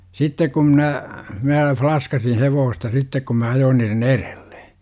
sitten kun minä minä flaskasin hevosta sitten kun minä ajoin niiden edelle